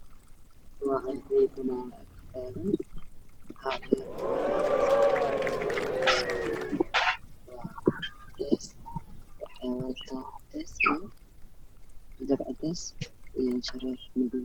Waa meel ay dad badan isku imaadeen oo ay cunto ku cunayaan